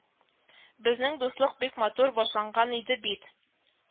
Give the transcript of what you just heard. Безнең дуслык бик матур башланган иде бит